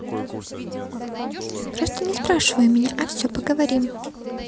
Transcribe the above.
просто не спрашивай меня а все поговорим